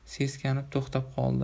seskanib to'xtab qoldi